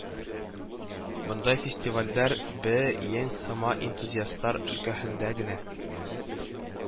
Бындай фестивалдәр бе ең һыма энтузиасттар өлкәһендә генә